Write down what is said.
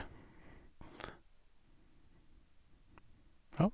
Ja.